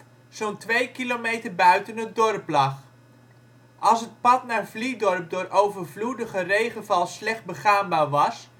zo 'n 2 km buiten het dorp lag. Als het pad naar Vliedorp door overvloedige regenval slecht begaanbaar was